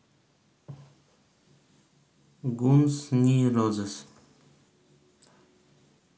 guns n' roses